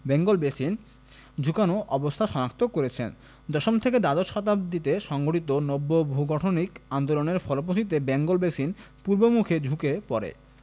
Bengal basin ঝুকানো অবস্থা শনাক্ত করেছেন দশম থেকে দ্বাদশ শতাব্দীতে সংঘটিত নব্য ভূগঠনিক আন্দোলনের ফলশ্রুতিতে বেঙ্গল বেসিন পূর্বমুখে ঝুঁকে পড়ে